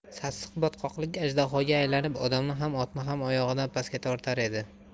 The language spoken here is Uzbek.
sassiq botqoqlik ajdahoga aylanib odamni ham otni ham oyog'idan pastga tortar edi